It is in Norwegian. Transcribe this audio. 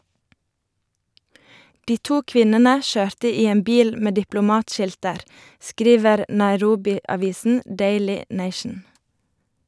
De to kvinnene kjørte i en bil med diplomatskilter, skriver Nairobi-avisen Daily Nation.